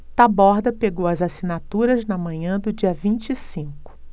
taborda pegou as assinaturas na manhã do dia vinte e cinco